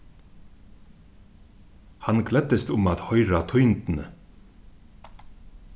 hann gleddist um at hoyra tíðindini